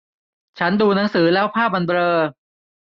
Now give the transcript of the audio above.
ฉันดูหนังสือแล้วภาพมันเบลอ